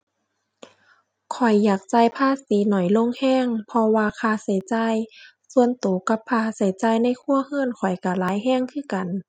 ข้อยอยากจ่ายภาษีน้อยลงแรง เพราะว่าค่าแรงจ่ายส่วนแรงกับค่าแรงจ่ายในครัวแรงข้อยแรงหลายแรงคือกัน